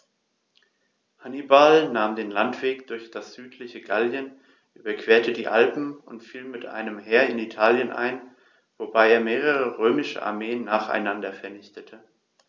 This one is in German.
Hannibal nahm den Landweg durch das südliche Gallien, überquerte die Alpen und fiel mit einem Heer in Italien ein, wobei er mehrere römische Armeen nacheinander vernichtete.